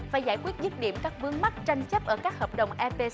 phải giải quyết dứt điểm các vướng mắc tranh chấp ở các hợp đồng e pê